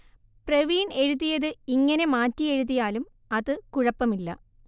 പ്രവീൺ എഴുതിയത് ഇങ്ങനെ മാറ്റി എഴുതിയാലും അത് കുഴപ്പമില്ല